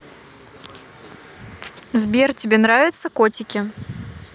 сбер тебе нравятся котики